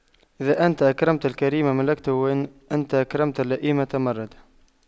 إذا أنت أكرمت الكريم ملكته وإن أنت أكرمت اللئيم تمردا